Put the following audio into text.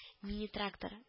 Мини-трактор